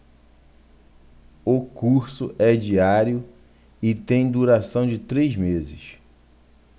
o curso é diário e tem duração de três meses